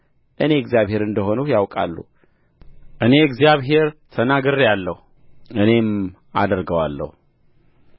እኔ እግዚአብሔር እንደ ሆንሁ ያውቃሉ እኔ እግዚአብሔር ተናግሬአለሁ እኔም አድርጌአለሁ